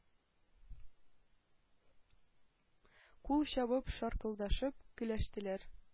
Кул чабып, шаркылдашып көлештеләр.